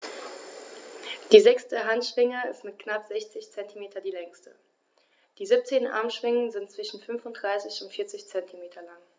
Die sechste Handschwinge ist mit knapp 60 cm die längste. Die 17 Armschwingen sind zwischen 35 und 40 cm lang.